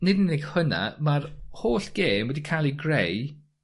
nid yn unig hwnna ma'r holl gêm wedi ca'l 'i greu